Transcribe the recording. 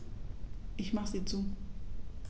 Ich mache sie zu.